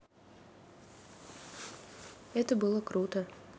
это было круто